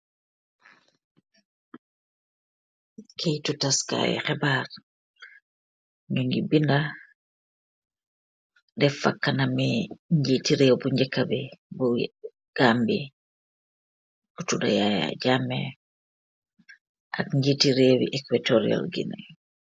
Kaitu tass kai hibaar nyungi binda deff fa kanami njiti rew bu njeka bi bu gambie bu tuda Yaya Jammeh ak njiti reewi equatorial guinea.